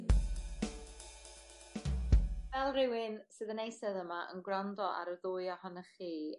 Fel rywun sydd yn eistedd yma yn gwrando ar y ddwy ohonoch chi